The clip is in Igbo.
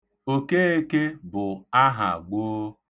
Okeeke bụ aha gboo.